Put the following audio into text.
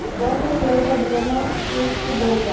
botir yovda bilinar so'zchi dovda